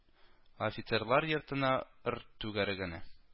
Офицерлар йортына ыр түгәрәгенә